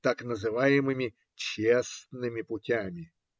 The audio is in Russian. Так называемыми честными путями.